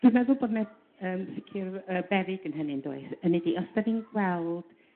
Dwi'n meddwl bod 'na yn sicr yrr beryg yn hynny 'ndoes 'ynny 'di os dan ni'n gweld